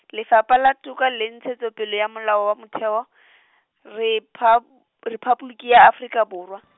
Lefapha la Toka le Ntshetsopele ya Molao wa Motheo , Repha-, Rephaboliki ya Afrika Borwa .